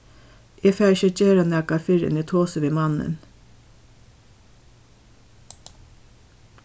eg fari ikki at gera nakað fyrr enn eg tosi við mannin